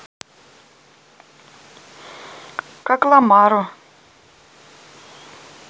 как ламару